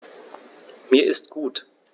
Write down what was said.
Mir ist gut.